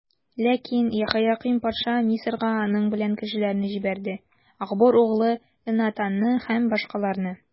Ләкин Яһоякыйм патша Мисырга аның белән кешеләрне җибәрде: Ахбор углы Элнатанны һәм башкаларны.